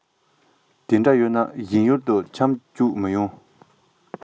དེ འདྲ ཡོད ན གཞན ཡུལ དུ ཁྱམས བཅུག མི ཡོང